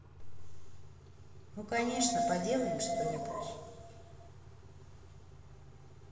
ну конечно поделаем что нибудь